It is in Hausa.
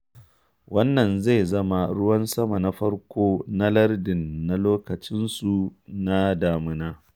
Wannan zai zama ruwan sama na farko na lardin na lokacinsu na damuna.